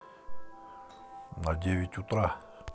на девять утра